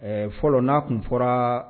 Ɛɛ fɔlɔ n'a tun fɔra